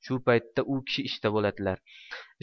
shu paytda u kishi ishda bo'ladilar